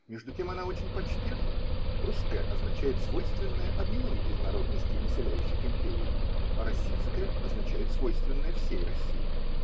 Между тем она очень почтенна: русское означает свойственное одной из народностей, населяющих Империю, а российское означает свойственное всей России.